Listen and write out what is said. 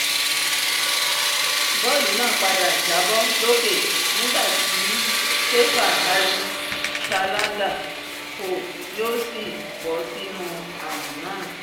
Bọ́ọ̀lù náà padà jábọ́ lókè nígbà tí Kepa Arrizalaga fò tí ó sì bọ́ sínu àwọ̀n náà.